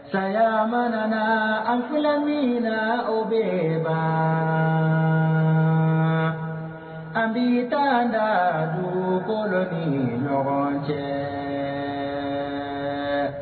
Saba an fana min na o bɛ ba an bi'i taa da dogokolo ni ɲɔgɔn cɛ